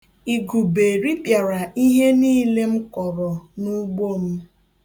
Igube ripịara ihe nille m kọrọ n'ugbo m.